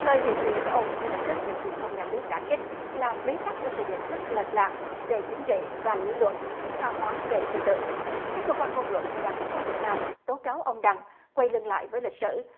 lời hiệu triệu của ông ngay lập tức bị truyền thông nhà nước đả kích là bế tắc của sự nhận thức lệch lạc về chính trị và lý luận tha hóa về tư tưởng các cơ quan ngôn luận của đảng cộng sản việt nam tố cáo ông đặng quay lưng lại với lịch sử